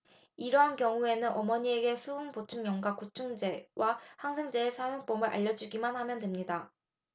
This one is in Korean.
이러한 경우에는 어머니에게 수분 보충염과 구충제와 항생제의 사용법을 알려 주기만 하면 됩니다